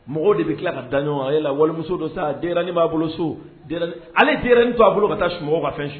Mɔgɔ de bɛ tila ka da ɲɔgɔn a la walimuso dɔ sa ne b'a bolo alera to aa bolo ka taa so ka fɛn su